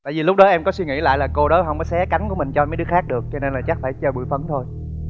tại vì lúc đó em có suy nghĩ lại là cô đó không có xé cái cánh của mình cho mấy đứa khác được cho nên là chắc phải chơi bụi phấn thôi